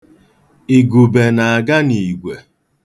Igube na-aga n'igwe.